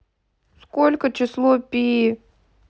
сколько число пи